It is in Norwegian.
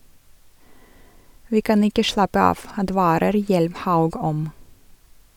Vi kan ikke slappe av , advarer Hjelmhaug om.